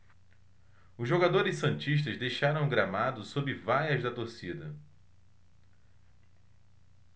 os jogadores santistas deixaram o gramado sob vaias da torcida